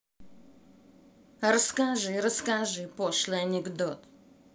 расскажи расскажи пошлый анекдот